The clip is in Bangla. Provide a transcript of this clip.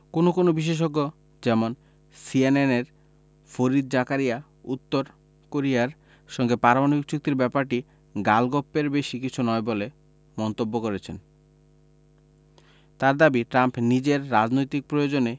কোনো কোনো বিশেষজ্ঞ যেমন সিএনএনের ফরিদ জাকারিয়া উত্তর কোরিয়ার সঙ্গে পারমাণবিক চুক্তির ব্যাপারটি গালগপ্পের বেশি কিছু নয় বলে মন্তব্য করেছেন তাঁর দাবি ট্রাম্প নিজের রাজনৈতিক প্রয়োজনে